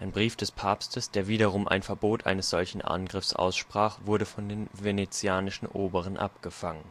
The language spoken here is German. Brief des Papstes, der wiederum ein Verbot eines solchen Angriffs aussprach, wurde von den venezianischen Oberen abgefangen